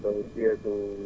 mu am lu wute